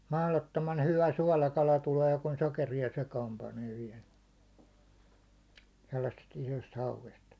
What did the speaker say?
mahdottoman hyvä suolakala tulee kun sokeria sekaan panee vielä sellaisesta isosta hauesta